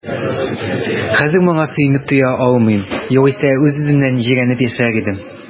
Хәзер моңа сөенеп туя алмыйм, югыйсә үз-үземнән җирәнеп яшәр идем.